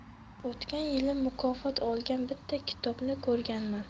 o'tgan yili mukofot olgan bitta kitobini ko'rganman